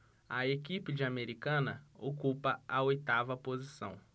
a equipe de americana ocupa a oitava posição